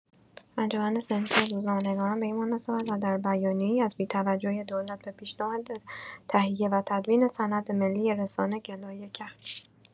انجمن صنفی روزنامه‌نگاران به این مناسبت و در بیانیه‌ای، از بی‌توجهی دولت به پیشنهاد تهیه و تدوین «سند ملی رسانه» گلایه کرد.